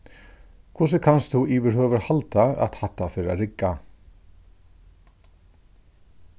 hvussu kanst tú yvirhøvur halda at hatta fer at rigga